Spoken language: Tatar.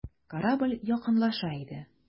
Корабль якынлаша иде.